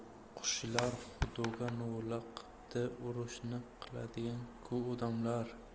qipti urushni qiladigan ku odamlar